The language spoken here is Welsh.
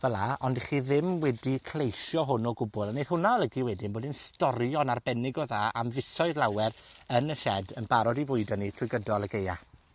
fela, ond 'dych chi ddim wedi cleisio hwn o gwbwl, a neith hwnna olygu wedyn bod 'i'n storio'n arbennig o dda am fisoedd lawer, yn y sied yn barod i fwydo ni trwy gydol y gaea.